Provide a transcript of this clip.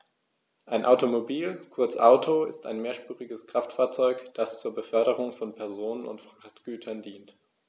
Ein Automobil, kurz Auto, ist ein mehrspuriges Kraftfahrzeug, das zur Beförderung von Personen und Frachtgütern dient.